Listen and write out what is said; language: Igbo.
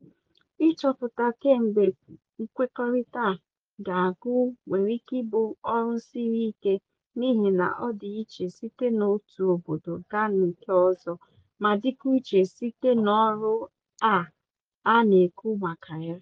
Ịchọpụta ka mgbe nkwekọrịta a ga-agwụ nwere ike ịbụ ọrụ siri ike n'ịhị na ọ dị iche site n'otu obodo gaa na nke ọzọ ma dịkwa iche site n'ọrụ a na-ekwu maka ya.